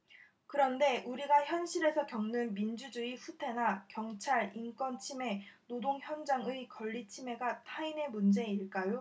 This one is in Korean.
그런데 우리가 현실에서 겪는 민주주의 후퇴나 경찰 인권침해 노동현장의 권리침해가 타인의 문제일까요